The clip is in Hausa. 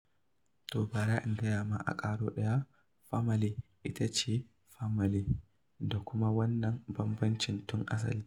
To, bari in gaya ma a karo ɗaya, "famalay" ita ce "famalay" da kuma wannan bambancin tun asali